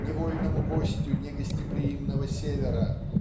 невольному гостю негостеприимного Севера